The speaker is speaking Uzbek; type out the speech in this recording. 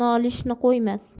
ham nolishini qo'ymas